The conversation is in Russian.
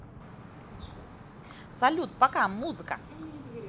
салют пока музыка